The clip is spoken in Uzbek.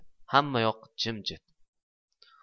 hammayoq jimjit